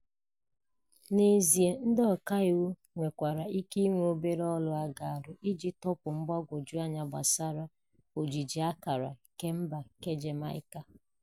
N'ezie, ndị ọka iwu nwekwara ike inwe obere ọrụ a ga-arụ iji tọpụ mgbagwoju anya gbasara ojiji ákàrà kemba nke Jamaica.